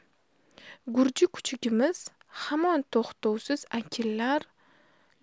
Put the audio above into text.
gurji kuchugimiz hamon to'xtovsiz akillar